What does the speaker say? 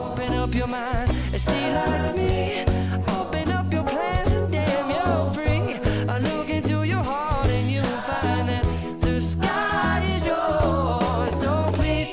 music